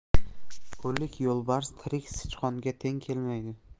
o'lik yo'lbars tirik sichqonga teng kelmaydi